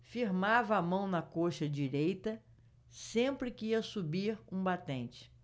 firmava a mão na coxa direita sempre que ia subir um batente